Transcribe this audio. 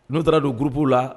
N'u taara don gurupw la